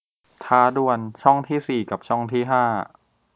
ท้าดวลช่องที่สี่กับช่องที่ห้า